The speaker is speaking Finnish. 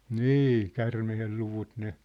niin käärmeen luvut ne